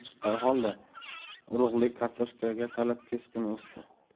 chiqqan holda urug'lik kartoshkaga talab keskin o'sdi